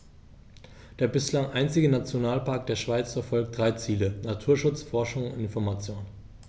Der bislang einzige Nationalpark der Schweiz verfolgt drei Ziele: Naturschutz, Forschung und Information.